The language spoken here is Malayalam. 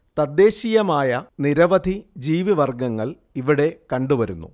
തദ്ദേശീയമായ നിരവധി ജീവിവർഗ്ഗങ്ങൾ ഇവിടെ കണ്ടുവരുന്നു